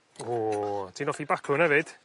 O ti'n offi bacwn efyd?